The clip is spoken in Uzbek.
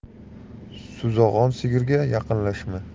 suzag'on sigirga yaqinlashma